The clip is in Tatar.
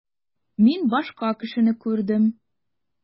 Мин башка кешене күрдем.